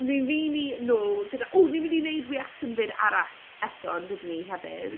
Mi fydd ni nôl gyda... ww ni'n mynd i wneud reaction vid arall eto yn dydyn ni hefyd?